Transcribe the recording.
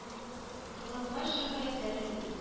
Кызыл Хач җәмгыятьләре Лигасы